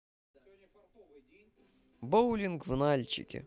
боулинг в нальчике